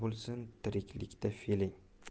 bo'lsin tiriklikda fe'ling